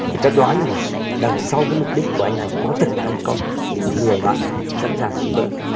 người ta đoán được là đằng sau cái mục đích của anh này có thực hay không thì nhiều bạn sẵn sàng giúp đỡ